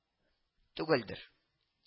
Түгелдер